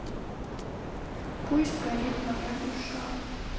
пусть горит моя душа